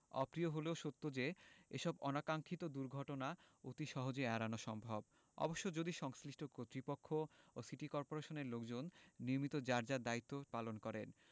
অপ্রিয় হলেও সত্ত্বেও যে এসব অনাকাক্সিক্ষত দুর্ঘটনা অতি সহজেই এড়ানো সম্ভব অবশ্য যদি সংশ্লিষ্ট কর্তৃপক্ষ ও সিটি কর্পোরেশনের লোকজন নিয়মিত যার যার দায়িত্ব পালন করেন